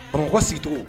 Karamɔgɔ si to